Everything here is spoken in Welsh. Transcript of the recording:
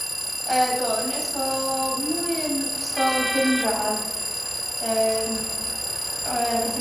Yy do yn ysgol mwy yn ysgol gynradd yym yy gatho ni lot o